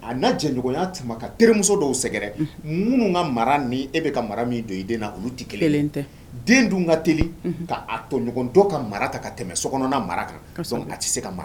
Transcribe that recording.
A jɛɲɔgɔnya ka terimuso dɔw sɛgɛrɛ minnu ka mara ni e bɛ ka mara min don i olu kelen tɛ den dun ka t' tɔɲɔgɔn to ka mara ta ka tɛmɛ soɔn mara kan a tɛ se ka mara